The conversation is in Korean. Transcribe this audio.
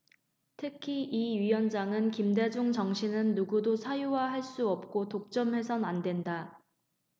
특히 이 위원장은 김대중 정신은 누구도 사유화 할 수 없고 독점해선 안 된다